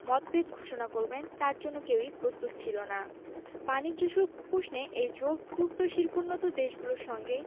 মতভেদ ঘোষণা করবেন তার জন্য কেউই প্রস্তুত ছিল না বাণিজ্য শুল্ক প্রশ্নে এই জোটভুক্ত শিল্পোন্নত দেশগুলোর সঙ্গে